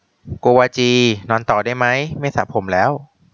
โกวาจีนอนต่อได้ไหมไม่สระผมแล้ว